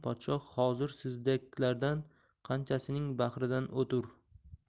podshoh hozir sizdeklardan qanchasining bahridan o'tur